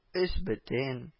Өс бөтен